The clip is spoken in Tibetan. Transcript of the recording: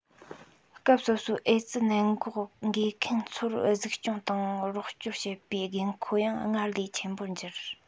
སྐབས སོ སོའི ཨེ ཙི ནད དུག འགོས མཁན ཚོར གཟིགས སྐྱོང དང རོགས སྐྱོར བྱེད པའི དགོས མཁོ ཡང སྔར ལས ཆེན པོར གྱུར